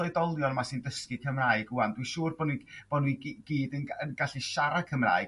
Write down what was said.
oedolion 'ma sy'n dysgu Cymraeg 'wan dwi'n siŵr bo' bo' n'w gyd yn gallu siarad Cymraeg